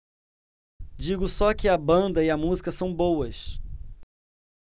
digo só que a banda e a música são boas